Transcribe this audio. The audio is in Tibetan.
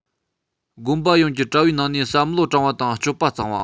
དགོན པ ཡོངས ཀྱི གྲྭ བའི ནང ནས བསམ བློ དྲང བ དང སྤྱོད པ གཙང བ